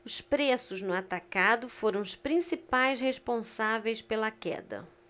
os preços no atacado foram os principais responsáveis pela queda